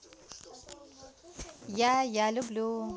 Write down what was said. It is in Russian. я я люблю